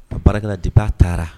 A barika debaa taara